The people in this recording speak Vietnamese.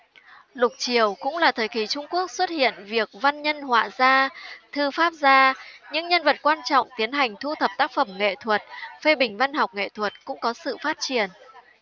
lục triều cũng là thời kỳ trung quốc xuất hiện việc văn nhân họa gia thư pháp gia những nhân vật quan trọng tiến hành thu thập tác phẩm nghệ thuật phê bình văn học nghệ thuật cũng có sự phát triển